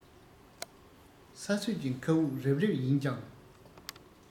ས སྲོད ཀྱི མཁའ དབུགས རབ རིབ ཡིན ཀྱང